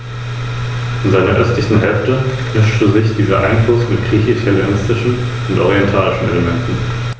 Neben seiner neuen Rolle als Seemacht trugen auch die eroberten Silberminen in Hispanien und die gewaltigen Reparationen, die Karthago zu leisten hatte, zu Roms neuem Reichtum bei.